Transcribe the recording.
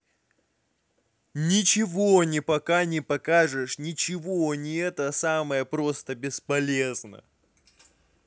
ничего не пока не покажешь ничего не это самое просто бесполезно